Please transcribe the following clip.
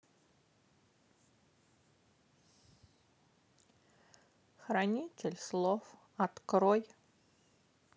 хранитель слов открой